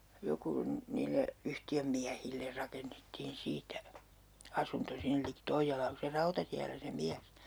joku niille yhtiönmiehille rakennettiin siitä asunto sinne liki Toijalaa kun se rautatiellä se mies